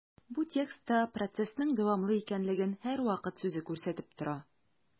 Бу текстта процессның дәвамлы икәнлеген «һәрвакыт» сүзе күрсәтеп тора.